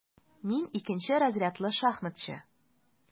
Мин - икенче разрядлы шахматчы.